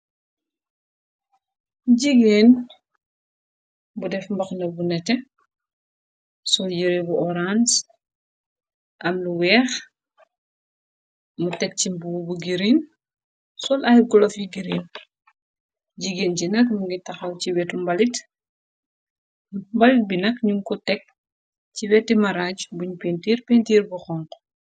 Jigeen bu def mbaxna bu nete , soll yeree bu orange am lu weex, teg ci mbubu bu giriin sool ay golof yi girin .Jigéen gi nak mungi taxaw ci wetu mbalit, mbalit bi nak ñu ko teg ci weti maraaje buñ pintiir , pintiir bu xonxo.